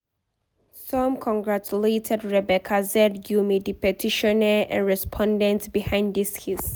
Some congratulated Rebeca Z. Gyumi, the petitioner and respondent behind this case.